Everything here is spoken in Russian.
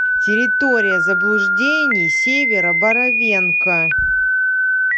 территория заблуждений северо боровенко